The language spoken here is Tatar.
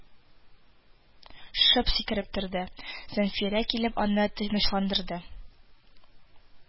Шып сикереп торды, зәнфирә килеп аны тынычландырды,